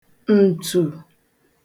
ǹtù